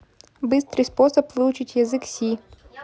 быстрый способ выучить язык си